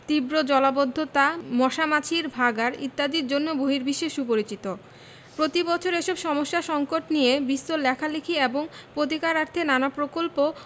তীব্র জলাবদ্ধতা মশা মাছির ভাঁগাড় ইত্যাদির জন্য বহির্বিশ্বে সুপরিচিত প্রতিবছর এসব সমস্যা সঙ্কট নিয়ে বিস্তর লেখালেখি এবং পতিকারার্থে নানা প্রকল্প